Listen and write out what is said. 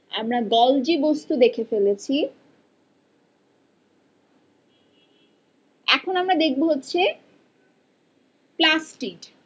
আমরা গলজি বস্তু দেখে ফেলেছি এখন আমরা দেখব হচ্ছে প্লাস্টিড